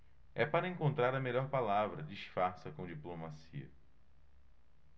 é para encontrar a melhor palavra disfarça com diplomacia